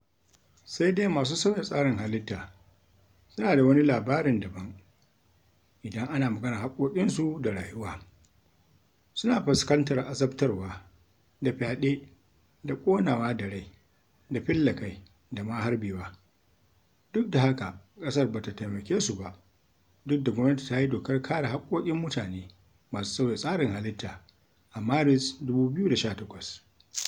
Sai dai masu sauya tsarin halitta suna da wani labarin daban idan ana maganar haƙƙoƙinsu da rayuwa; suna fuskantar azabtarwa da fyaɗe da ƙonawa da rai da fille kai da ma harbewa, duk da haka ƙasar ba ta taimake su ba duk da gwamnati ta yi Dokar (Kare Haƙƙoƙin) Mutane masu Sauya Tsarin Halitta a Maris, 2018.